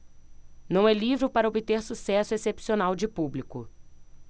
não é livro para obter sucesso excepcional de público